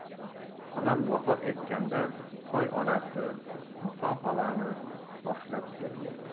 onam vafot etganda toy onasi niso xolani boshlab keldi